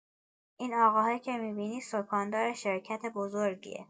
این آقاهه که می‌بینی، سکان‌دار شرکت بزرگیه!